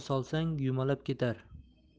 solsang yumalab ketar